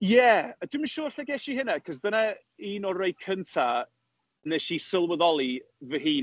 Ie, dwi'm yn siŵr lle ges i hynna. Cos dyna un o'r rei cynta wnes i sylweddoli fy hun.